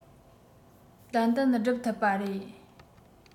ཏན ཏན སྒྲུབ ཐུབ པ རེད